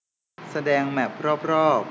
แสดงแมพรอบรอบ